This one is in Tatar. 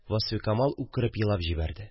– васфикамал үкереп елап җибәрде